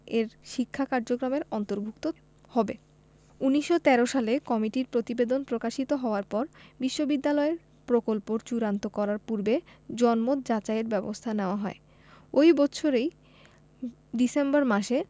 এর শিক্ষা কার্যক্রমের অন্তর্ভুক্ত হবে ১৯১৩ সালে কমিটির প্রতিবেদন প্রকাশিত হওয়ার পর বিশ্ববিদ্যালয়ের প্রকল্প চূড়ান্ত করার পূর্বে জনমত যাচাইয়ের ব্যবস্থা নেওয়া হয় ঐ বৎসরই ডিসেম্বর মাসে